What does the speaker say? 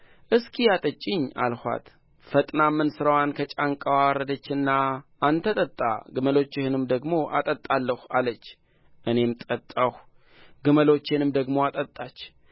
እስኪ አጠጪኝ አልኋት ፈጥናም እንስራዋን ከጫንቃዋ አወረደችና አንተ ጠጣ ግመሎችህንም ደግሞ አጠጣለሁ አለች እኔም ጠጣሁ ግመሎቼንም ደግሞ አጠጣች